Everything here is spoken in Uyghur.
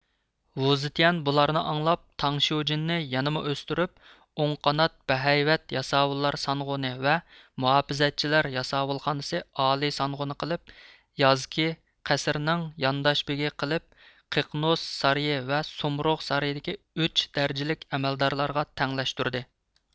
ۋۇزېتيەن بۇلارنى ئاڭلاپ تاڭشيۇجىننى يەنىمۇ ئۆستۈرۈپ ئوڭ قانات بەھەيۋەت ياساۋۇللار سانغۇنى ۋە مۇھاپىزەتچىلەر ياساۋۇلخانىسى ئالىي سانغۇنى قىلىپ يازكى قەسىرنىڭ يانداش بېگى قىلىپ قىقىنوس سارىيى ۋە سۇمرۇغ سارىيىدىكى ئۈچ دەرىجىلىك ئەمەلدارلارغا تەڭلەشتۈردى